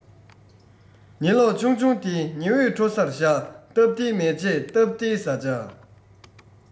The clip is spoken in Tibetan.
ཉི གློག ཆུང ཆུང དེ ཉི འོད འཕྲོ སར བཞག སྟབས བདེའི མལ ཆས སྟབས བདེའི བཟའ བཅའ